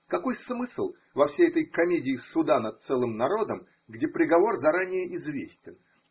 Какой смысл во всей этой комедии суда над целым народом, где приговор заранее известен?